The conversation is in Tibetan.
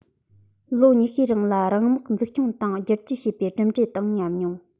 ལོ ཉི ཤུའི རིང ལ རང དམག འཛུགས སྐྱོང དང བསྒྱུར བཅོས བྱས པའི གྲུབ འབྲས དང ཉམས མྱོང